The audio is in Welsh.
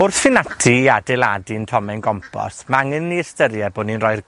Wrth fyn' ati i adeiladu 'yn tomen compos, ma' angen i ni ystyried bo' ni'n roi